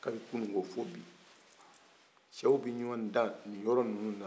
kabini kunu ko fo bi cɛw bɛɲɔgɔn dan nin yɔrɔ ninnu na